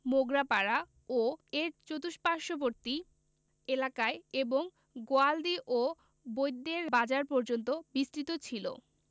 মোগরাপাড়া ও এর চতুষ্পার্শ্বস্থ এলাকায় এবং গোয়ালদি ও বৈদ্যের বাজার পর্যন্ত বিস্তৃত ছিল